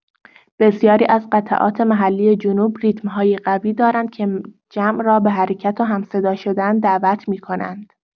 بسیاری از قطعات محلی جنوب ریتم‌هایی قوی دارند که جمع را به حرکت و هم‌صدا شدن دعوت می‌کنند.